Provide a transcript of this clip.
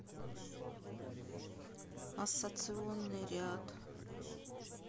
ассоционный ряд